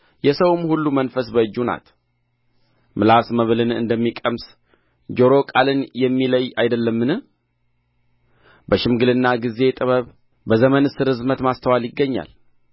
የሰውም ሁሉ መንፈስ በእጁ ናት ምላስ መብልን እንደሚቀምስ ጆሮ ቃልን የሚለይ አይደለምን በሽምግልና ጊዜ ጥበብ በዘመንስ ርዝመት ማስተዋል ይገኛል